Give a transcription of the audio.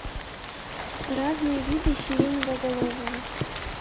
разные виды сиреноголового